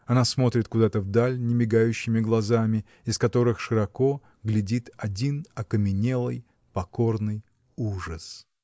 Она смотрит куда-то вдаль немигающими глазами, из которых широко глядит один окаменелый, покорный ужас.